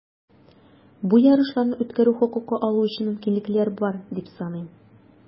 Бу ярышларны үткәрү хокукы алу өчен мөмкинлекләр бар, дип саныйм.